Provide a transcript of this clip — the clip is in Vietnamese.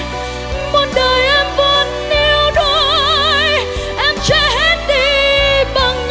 muôn đời em vẫn yếu đuối em che hết đi bằng những